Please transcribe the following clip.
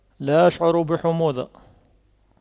لا أشعر بحموضة